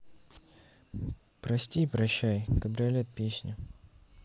прости прощай кабриолет песня